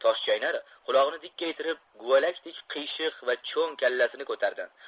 toshchaynar qulog'ini dikkaytirib guvalakdek qiyshiq va cho'ng kallasini ko'tardi